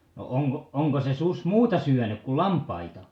no onko onko se susi muuta syönyt kuin lampaita